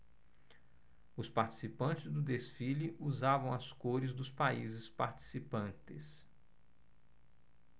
os participantes do desfile usavam as cores dos países participantes